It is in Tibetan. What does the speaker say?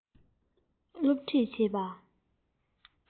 སློབ ཁྲིད བྱེད པ